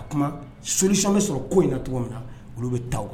A kuma sosi bɛ sɔrɔ ko in na cogo min na olu bɛ taa kan